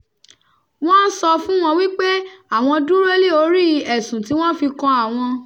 Wọ́n sọ fún wọn wípé àwọn dúró lé oríi ẹ̀sùn tí wọ́n fi kan àwọn.